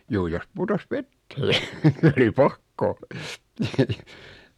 juu jos putosi veteen niin oli pakko